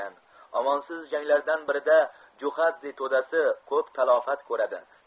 omonsiz janglardan birida jo'xadze to'dasi ko'p talafot ko'radi